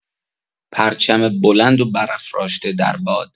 پرچم بلند و برافراشته در باد